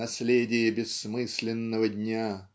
наследие бессмысленного дня"